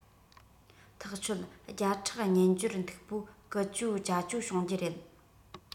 ཐག ཆོད བརྒྱ ཕྲག སྨྱན སྦྱོར མཐུག པོ ཀུ ཅོ ཅ ཅོ བྱུང རྒྱུ རེད